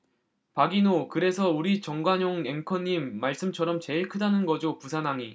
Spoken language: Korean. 박인호 그래서 우리 정관용 앵커님 말씀처럼 제일 크다는 거죠 부산항이